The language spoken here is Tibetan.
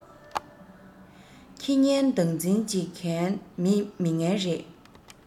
ཁྱི ངན བདག འཛིན བྱེད མཁན མི ངན རེད